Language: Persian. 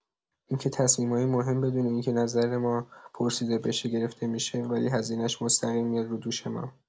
این که تصمیمای مهم بدون این که نظر ما پرسیده بشه گرفته می‌شه، ولی هزینه‌ش مستقیم میاد رو دوش ما.